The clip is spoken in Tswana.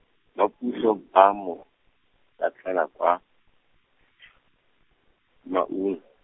ba puso ba mo, latlhela kwa , Maun.